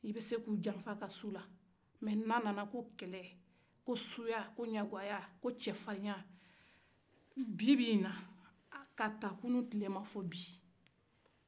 i bɛ se k'u janfa ka se u la n'a na ko kɛlɛ ko suya ko ɲagaya ko cɛfarinya ka ta kunu ma fɔ bi